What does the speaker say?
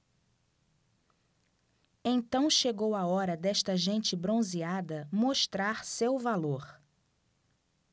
então chegou a hora desta gente bronzeada mostrar seu valor